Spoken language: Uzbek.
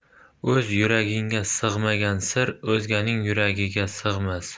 o'z yuragingga sig'magan sir o'zganing yuragiga sig'mas